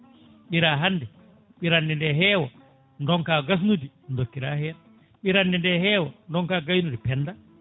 ɓiira hande ɓirande nde hewa donka gasnude dokkira hen ɓirande nde hewa donka gaynude penda